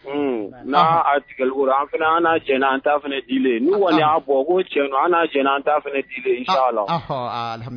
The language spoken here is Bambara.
Un n' atigɛlikura an an jɛnɛ an taf di ni wali y'a bɔ ko cɛ an jɛnɛ an taf la